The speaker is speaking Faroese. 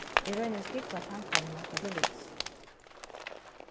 eg royni at skúgva tankarnar um hetta til viks